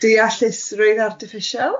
...deallusrwydd artiffisial.